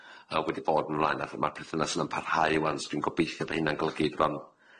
yy wedi bod yn myn' mlaen. Elly ma'r perthynas yna'n parhau ŵan, so dwi'n gobeithio bo' hynna'n golygu bod o'n